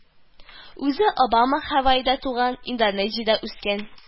Үзе Обама Һаваида туган, Индонезиядә үскән